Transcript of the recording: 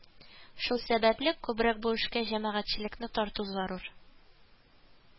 Шул сәбәпле, күбрәк бу эшкә җәмәгатьчелекне тарту зарур